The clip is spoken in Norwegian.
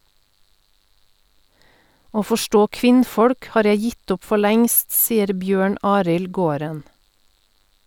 «Å forstå kvinnfolk, har jeg gitt opp for lengst», sier Bjørn Arild Gården.